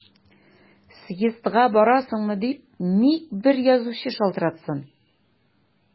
Съездга барасыңмы дип ник бер язучы шалтыратсын!